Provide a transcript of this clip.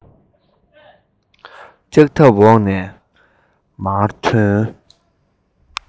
ལྕག ཐབས འོག ནས མར ཐོན